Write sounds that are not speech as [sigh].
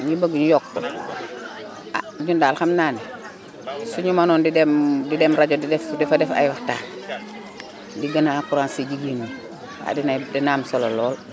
lu ñu bëgg ñu yokk ko ah ñun daal xam naa ne [crosstalk] suñu mënoon di dem [hesitation] di dem rajo di def di fa def ay waxtaan [crosstalk] di gën a encouragé jigéen ñi waaw dinay dina am solo lool